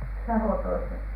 savotoissa